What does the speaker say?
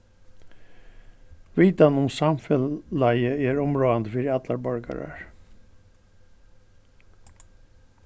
vitan um samfelagið er umráðandi fyri allar borgarar